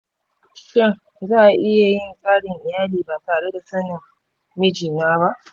shin za a iya yin tsarin iyali ba tare da sanin mijina ba?